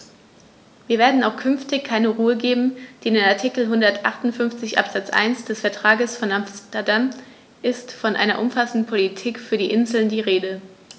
Wir werden auch künftig keine Ruhe geben, denn in Artikel 158 Absatz 1 des Vertrages von Amsterdam ist von einer umfassenden Politik für die Inseln die Rede.